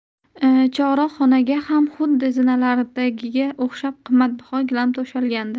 chog'roq xonaga ham xuddi zinalardagiga o'xshab qimmatbaho gilam to'shalgandi